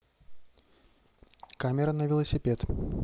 камера на велосипед